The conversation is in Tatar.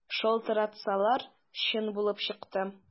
Шалтыратсалар, чын булып чыкты.